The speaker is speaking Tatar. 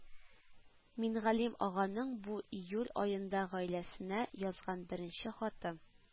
Мингалим аганың бу июль аенда гаиләсенә язган беренче хаты